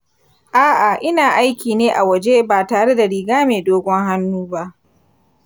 a'a, ina aiki ne a waje ba tare da riga mai dogon hannu ba.